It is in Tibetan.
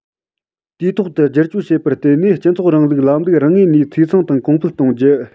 དུས ཐོག ཏུ བསྒྱུར བཅོས བྱེད པར བརྟེན ནས སྤྱི ཚོགས རིང ལུགས ལམ ལུགས རང ངོས ནས འཐུས ཚང དང གོང འཕེལ གཏོང རྒྱུ